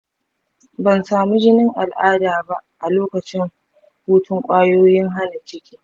ban samu jinin al'ada ba a lokacin hutun kwayoyin hana ciki.